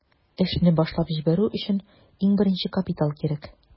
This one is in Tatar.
Эшне башлап җибәрү өчен иң беренче капитал кирәк.